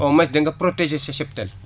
au moins da nga protéger sa cheptelle